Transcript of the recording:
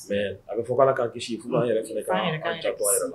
Mɛ a bɛ fɔ k' ka gese kuma yɛrɛ yɛrɛ